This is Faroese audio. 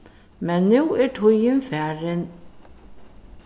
men nú er tíðin farin